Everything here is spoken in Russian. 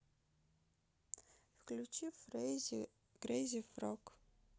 включи крейзи фрог